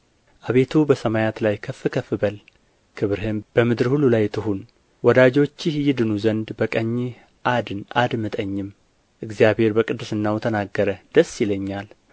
አቤቱ በሰማያት ላይ ከፍ ከፍ በል ክብርህም በምድር ሁሉ ላይ ትሁን ወዳጆችህ ይድኑ ዘንድ በቀኝህ አድን አድምጠኝም እግዚአብሔር በቅድስናው ተናገረ ደስ ይለኛል